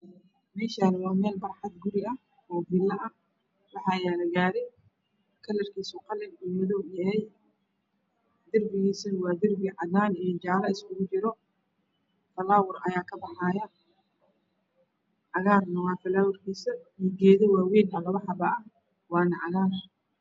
Meshaan waa mel barxad fila ah oo gura ah waxa yaala gaar kalarkiiso uu madow iyo qalin yahy darpigiii sana waa darpi cadana iyo jaaalo iskugu jiro falaawar ayaa ka paxaayo cagaarna waaye falawar kiisa iyo geeda waaween lapa xapo ah waana cagaar